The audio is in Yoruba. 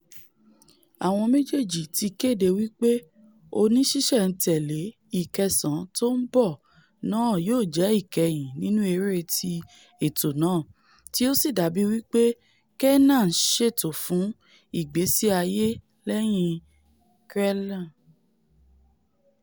Àwọn méjèèjì ti kédé wí pé oníṣíṣẹ̀-n-tẹ̀lé ìkẹẹ̀sán tó ńbọ náà yóò jẹ́ ìkẹyìn nínú eré ti ètò náà, tí o sì dàbí wí pé Kiernan ńṣètò fún ìgbésí-ayé lẹ́yìn Craiglang.